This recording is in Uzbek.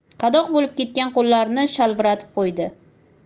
qadoq bo'lib ketgan qo'llarini shalviratib qo'ydi